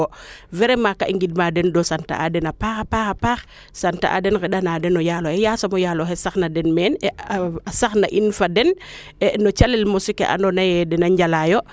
vraiment kaa i ngind ma den sant a den a paax paaxa paax sant a den ŋenda na den o yaaloxe yaasam o yaloxe saxna den meen a saxna in fa den e no calel mosu ke ando naye dena njalayo